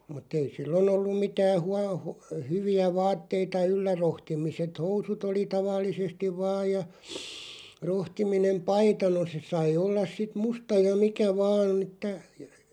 mutta ei silloin ollut mitään -- hyviä vaatteita yllä rohtimiset housut oli tavallisesti vain ja rohtiminen paita no se sai olla sitten musta ja mikä vain että